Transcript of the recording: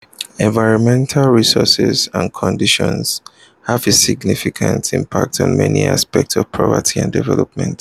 Environmental resources and conditions have a significant impact on many aspects of poverty and development.